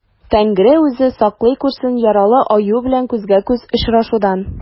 Тәңре үзе саклый күрсен яралы аю белән күзгә-күз очрашудан.